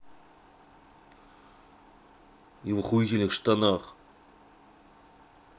и в охуительных штанах